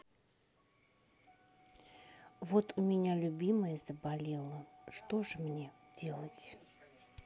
вот у меня любимая заболела что же мне делать